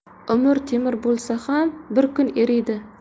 umr temir bo'lsa ham bir kun eriydi